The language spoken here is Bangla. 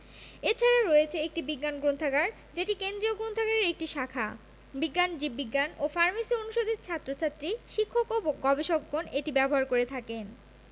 এছাড়া রয়েছে একটি বিজ্ঞান গ্রন্থাগার যেটি কেন্দ্রীয় গ্রন্থাগারের একটি শাখা বিজ্ঞান জীববিজ্ঞান ও ফার্মেসি অনুষদের ছাত্রছাত্রী শিক্ষক ও গবেষকগণ এটি ব্যবহার করে থাকেন